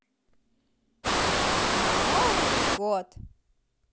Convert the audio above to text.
на новый год